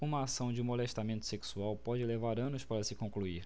uma ação de molestamento sexual pode levar anos para se concluir